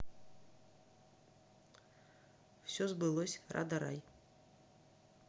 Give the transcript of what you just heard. все сбылось рада рай